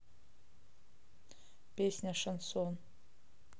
песня шансон